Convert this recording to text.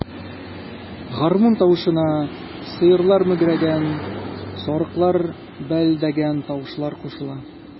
Гармун тавышына сыерлар мөгрәгән, сарыклар бәэлдәгән тавышлар кушыла.